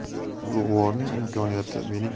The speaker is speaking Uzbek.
ulug'vorning imkoniyati mening